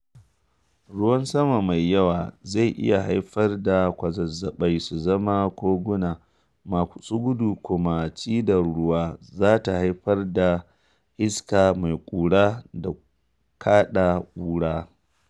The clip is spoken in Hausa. Ruwan sama mai yawa zai iya haifar da kwazazzaɓai su zama koguna masu gudu kuma cidar ruwa za ta haifar da iska mai ƙura da kaɗa ƙura.